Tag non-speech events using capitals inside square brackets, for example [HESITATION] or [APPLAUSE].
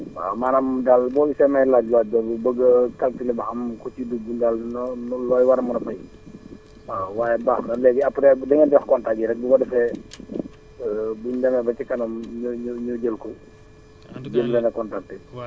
[NOISE] waaw maanaam daal boo gisee may laaj laaj boobu bëgg a calculer ba xam ku ci dugg loo loo war a mën a fay [NOISE] waaw waaye baax na léegi après da ngeen di wax contacts yi rekk bu ko defee [NOISE] [HESITATION] bu ñu demee ba ci kanam ñu ñu ñu jël ko